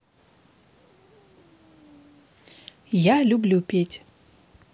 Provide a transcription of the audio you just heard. я люблю петь